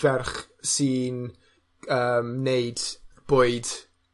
ferch sy'n yy wneud bwyd